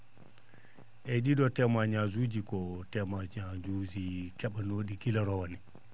eeyi ?i?o témoignage uji ko témoignage ke?anoo?i gila rowane